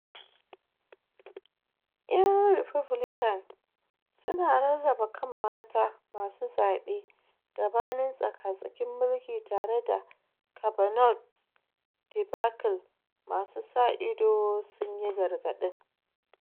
Yan Republican Su na Rarraba Kan Mata Masu Zabe Gabanin Tsaka-Tsakin Mulki Tare da Kavanaugh Debacle, Masu sa ido sunyi gargadin